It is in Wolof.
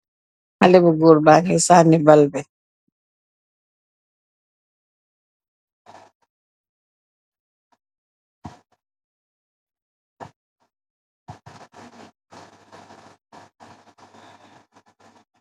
Xalé bu góor baa ngee san-ni bal bi.